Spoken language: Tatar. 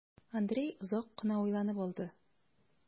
Андрей озак кына уйланып алды.